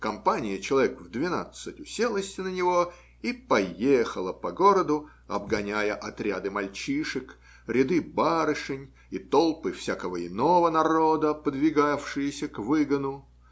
компания человек в двенадцать уселась на него и поехала по городу, обгоняя отряды мальчишек, ряды барышень и толпы всякого иного народа, подвигавшиеся к выгону.